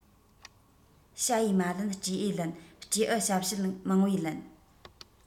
བྱ ཡི མ ལན སྤྲེའུས ལན སྤྲེའུ བྱ བྱེད མང བས ལན